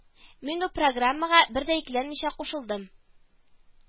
Мин бу программага бер дә икеләнмичә кушылдым